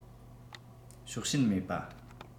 ཕྱོགས ཞེན མེད པ